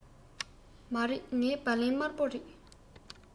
མ རེད ངའི སྦ ལན དམར པོ རེད